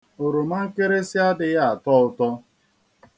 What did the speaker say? Oromankịrịsị adịghị atọ ụtọ.